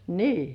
niin